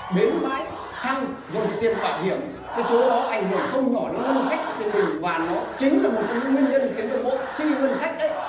bến bãi xăng rồi thì tiền bảo hiểm cái số đó ảnh hưởng không nhỏ đến ngân sách của thiên đình và nó chính là một trong những nguyên nhân khiến cho bội chi ngân sách đấy